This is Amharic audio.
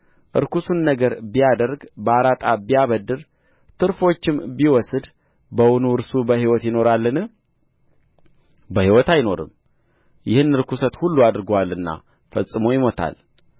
ርኩስን ነገር ቢያደርግ በአራጣ ቢያበድር ትርፎቻም ቢወስድ በውኑ እርሱ በሕይወት ይኖራልን በሕይወት አይኖርም ይህን ርኵሰት ሁሉ አድርጎአልና ፈጽሞ ይሞታል